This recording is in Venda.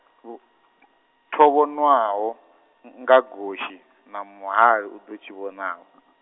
vho tho vhonwaho, n- nga gosi, na muhali u ḓo tshi vhonavho .